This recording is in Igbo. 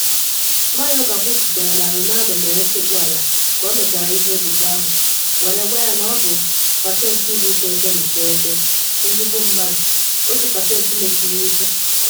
Mayorga kwuputara na Ronaldo mere nsekpu ala ka ọ mechara ihe ebubo ahụ were gwa ya na ọ bụ “pesentị 99” “ezigbo mmadụ” “ otu pesentị mechuru ihu.”